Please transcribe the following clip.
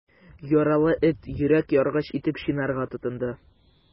Яралы эт йөрәк яргыч итеп чинарга тотынды.